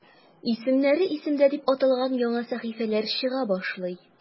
"исемнәре – исемдә" дип аталган яңа сәхифәләр чыга башлый.